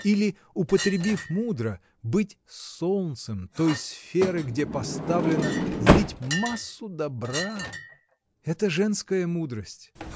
Или, употребив мудро, — быть солнцем той сферы, где поставлена, влить массу добра. Это женская мудрость!